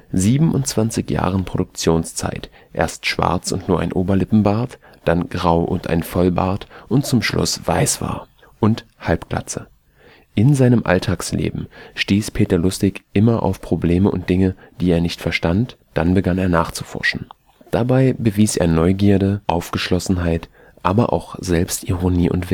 27 Jahren Produktionszeit erst schwarz und nur ein Oberlippenbart, dann grau und ein Vollbart und zum Schluss weiß war) und Halbglatze. In seinem Alltagsleben stieß Peter Lustig immer auf Probleme und Dinge, die er nicht verstand, dann begann er, nachzuforschen. Dabei bewies er Neugierde, Aufgeschlossenheit aber auch Selbstironie und